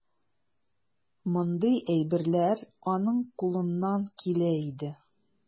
Мондый әйберләр аның кулыннан килә иде.